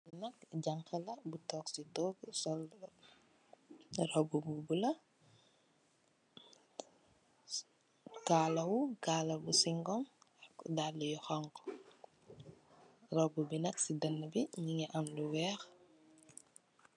Ki nak janxa la bu tóóg si tohgu sol róbbu bu bula, kalahu kala bu singom dalli yu xonxu. Róbbu bi nak si dënabi mugii am lu wèèx.